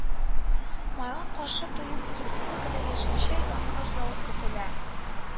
Майга каршы төндә республикада яшенле яңгыр явуы көтелә